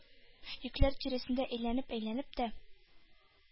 Йөкләр тирәсендә әйләнеп-әйләнеп тә